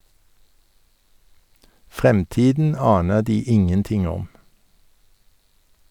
Fremtiden aner de ingenting om.